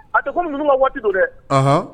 A tɛ ko ninnu ma waati don dɛ